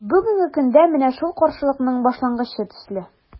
Бүгенге көндә – менә шул каршылыкның башлангычы төсле.